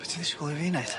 Be' ti'n disgwl i fi neud?